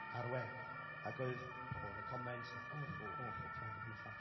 ar y we, ac oedd pobl yn rhoi comments fatha "awful, awful crime" hyn a llall.